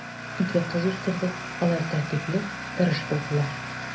Ике кыз үстердек, алар тәртипле, тырыш булдылар.